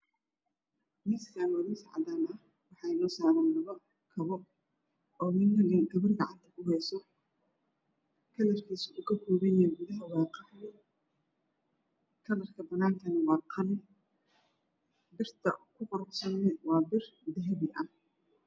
Miiskan waa miis cadana ah waxaa inoo saran kapooo ganar gacanta ku heeso kalarkiisu oo kakoopan yahy madow kalarka banaabka wa qalin birta ku qoraf sana waa pir dahpi aha